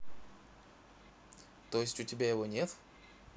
то есть у тебя его нет